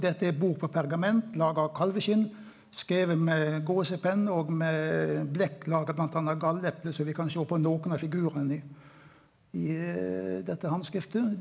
dette er bok på pergament laga av kalveskinn skrive med gåsepenn og med blekk laga bl.a. av galleple som vi kan sjå på nokon av figurane i dette handskriftet.